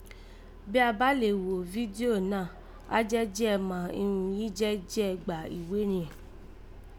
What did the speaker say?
Bí a bá lè gho fídíò náà, á jẹ́ jí rẹ mà irún jẹ́ jí gbà ìwé yẹ̀n